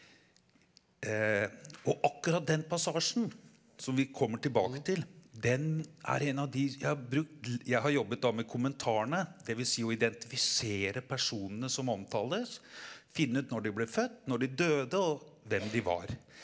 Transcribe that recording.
og akkurat den passasjen som vi kommer tilbake til den er en av de jeg har brukt jeg har jobbet da men kommentarene, dvs. å identifisere personene som omtales, finne ut når de ble født, når de døde og hvem de var.